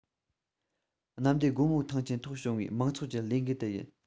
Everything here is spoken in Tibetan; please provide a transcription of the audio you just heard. གནམ བདེ སྒོ མོའི ཐང ཆེན ཐོག བྱུང བའི མང ཚོགས ཀྱི ལས འགུལ དེ ཡིན